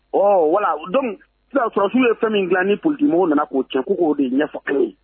Ɔn wala Donc sisan soldat ye fɛn min dilan ni politiciens nana ko tiɲɛ ku ko de ɲɛfɔ an ye.